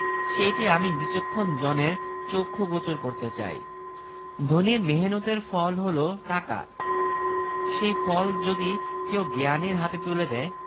সেও তো ওঁর একখানা রয়েছে যেমন স্ত্রী তেমন স্বামী একখানা বই ই তাদের পক্ষে যথেষ্ট অথচ এই বই জিনিসটার প্রকৃত সম্মান করতে জানে ফ্রান্স